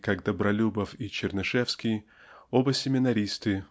как Добролюбов и Чернышевский (оба семинаристы